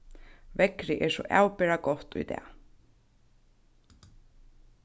veðrið er so avbera gott í dag